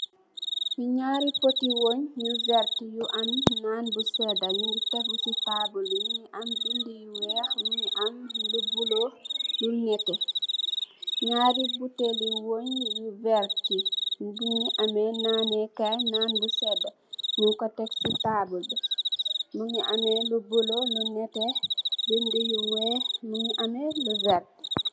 Fii njaari poti weungh yu vertue yu am nan bu sedah njungy tehgu cii taabul bii, njungy am bindue yu wekh, mungy am lu bleu, lu nehteh, njaari butehli weungh yu vertue, bungy ameh naaneh kaii, nan bu sedue, nung kor tek cii taabul bii, mungy ameh lu bleu, lu nehteh, bindue yu wekh, mungy ameh lu vertue.